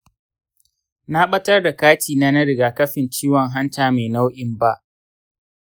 na ɓatar da katina na rigakafin ciwon hanta mai nau'in b.